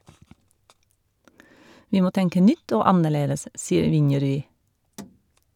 Vi må tenke nytt og annerledes, sier Vinjerui.